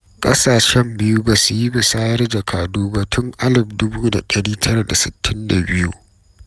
Ƙasashen biyun ba su yi musayar jakadu ba tun 1962.